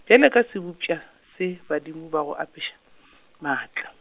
bjale ka sebopša, se, badimo ba go apeša, maatla.